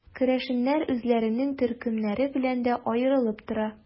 Керәшеннәр үзләренең төркемнәре белән дә аерылып тора.